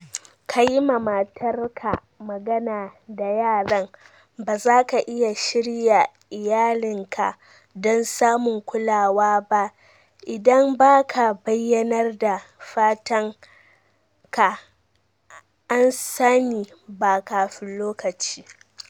Kayi ma matar ka magana da yaran: Bazaka iya shirya iyalin ka don samun kulawa ba idan baka bayyanar da fatan ka an sani ba kafin lokaci.